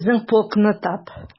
Безнең полкны тап...